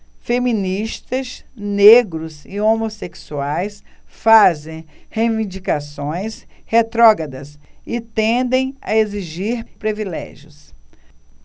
feministas negros e homossexuais fazem reivindicações retrógradas e tendem a exigir privilégios